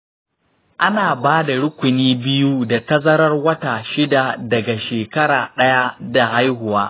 ana ba da rukuni biyu da tazarar wata shida daga shekara ɗaya da haihuwa.